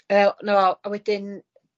Wel, 'na fo. A wedyn